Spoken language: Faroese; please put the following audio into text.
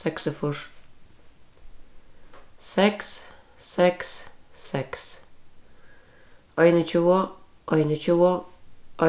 seksogfýrs seks seks seks einogtjúgu einogtjúgu